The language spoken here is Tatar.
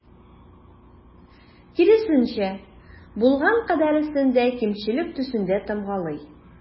Киресенчә, булган кадәресен дә кимчелек төсендә тамгалый.